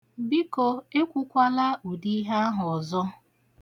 Biko, ekwukwala ụdị ihe ahụ ọzọ.